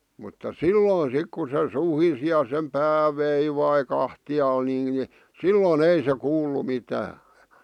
mutta silloin sitten kun se suhisi ja sen pää veivasi kahtialle niin silloin ei se kuullut mitään